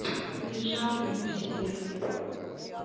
уезжал вину себя